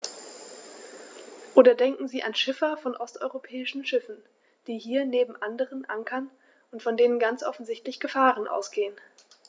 Oder denken Sie an Schiffer von osteuropäischen Schiffen, die hier neben anderen ankern und von denen ganz offensichtlich Gefahren ausgehen.